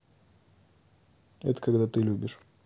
это когда ты любишь